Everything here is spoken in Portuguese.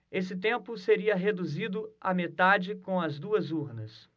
esse tempo seria reduzido à metade com as duas urnas